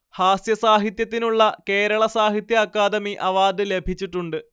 ഹാസ്യ സാഹിത്യത്തിനുള്ള കേരള സാഹിത്യ അക്കാദമി അവാർഡ് ലഭിച്ചിട്ടുണ്ട്